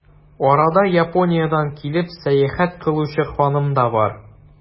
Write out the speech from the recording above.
Арада, Япониядән килеп, сәяхәт кылучы ханым да бар.